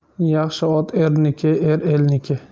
yaxshi ot erniki er elniki